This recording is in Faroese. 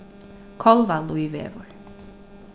kálvalíðvegur